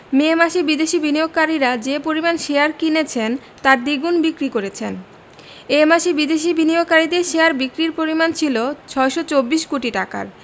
মে মাসে বিদেশি বিনিয়োগকারীরা যে পরিমাণ শেয়ার কিনেছেন তার দ্বিগুণ বিক্রি করেছেন এ মাসে বিদেশি বিনিয়োগকারীদের শেয়ার বিক্রির পরিমাণ ছিল ৬২৪ কোটি টাকার